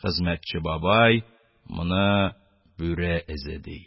Хезмәтче бабай моны бүре эзе, ди.